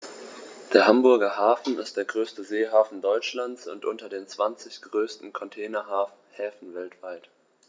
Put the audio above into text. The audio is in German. Der Hamburger Hafen ist der größte Seehafen Deutschlands und unter den zwanzig größten Containerhäfen weltweit.